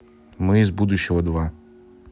мы из будущего два